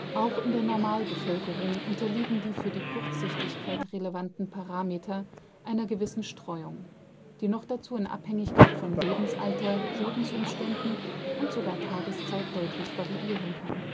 Auch in der Normalbevölkerung unterliegen die für die Kurzsichtigkeit relevanten Parameter einer gewissen Streuung, die noch dazu in Abhängigkeit von Lebensalter, Lebensumständen und sogar Tageszeit deutlich variieren kann